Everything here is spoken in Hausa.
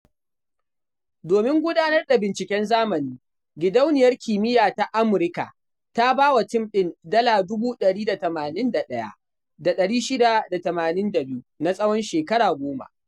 Domin gudanar da binciken zamani, Gidauniyar Kimiyya ta Amurka ta ba wa tim ɗin dala 181,682 na tsawon shekara goma.